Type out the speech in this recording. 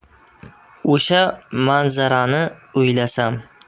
o'sha manzarani o'ylasam